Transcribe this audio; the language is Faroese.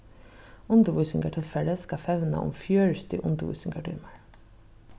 undirvísingartilfarið skal fevna um fjøruti undirvísingartímar